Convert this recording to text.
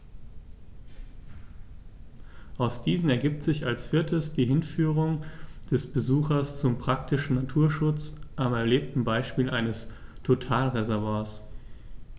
Aus diesen ergibt sich als viertes die Hinführung des Besuchers zum praktischen Naturschutz am erlebten Beispiel eines Totalreservats.